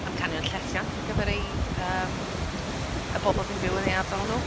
Amcanion Llesiant ar gyfer eu... yym y bobl sy'n byw yn eu ardal nhw.